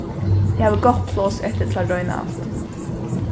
eg havi gott pláss eftir til at royna alt